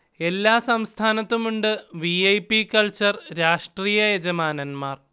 എല്ലാ സംസ്ഥാനത്തുമുണ്ട് V. I. P. Culture രാഷ്ട്രീയ യജമാനൻമാർ